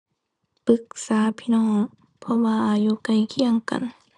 ปรึกษาพี่น้อง เพราะว่าอายุใกล้เคียงกัน